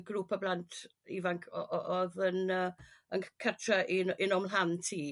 grŵp o blant ifanc o- o- odd yn yrr yn c- cartre' un un o mhlant i